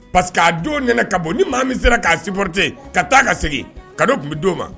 Parce que k'a don ɲɛna ka bɔ ni maa min sera k'a sipte ka taa ka segin ka don tun bɛ di o ma